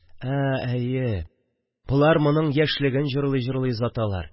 Ә, әйе... Болар моның яшьлеген җырлый-җырлый озаталар